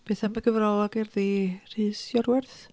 Beth am y gyfrol o gerddi Rhys Iorwerth?